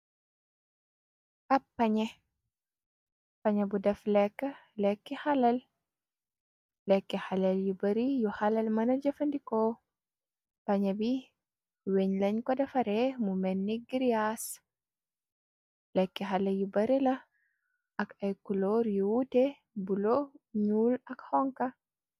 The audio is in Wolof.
ab pañe pañe bu def lekk lekki xalal lekki xalal yu bari yu xalal mëna jëfandikoo pañe bi weñ lañ ko defare mu menni giryaas lekki xala yu bari la ak ay kuloor yu wuute bu lo ñuul ak xonka